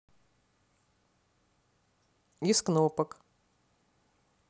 из кнопок